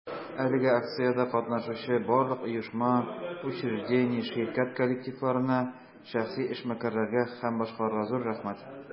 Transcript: Әлеге акциядә катнашучы барлык оешма, учреждение, ширкәт коллективларына, шәхси эшмәкәрләргә һ.б. зур рәхмәт!